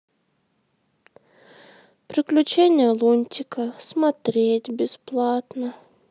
приключения лунтика смотреть бесплатно